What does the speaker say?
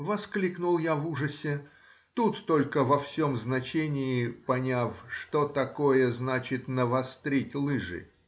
— воскликнул я в ужасе, тут только во всем значении поняв, что такое значит навострить лыжи.